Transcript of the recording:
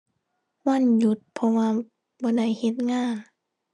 วันหยุด เพราะว่าบ่ได้เฮ็ดงาน